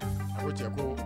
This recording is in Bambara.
A ko cɛ ko